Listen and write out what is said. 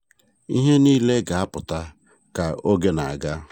Ihe niile ga-apụta ka oge na-aga.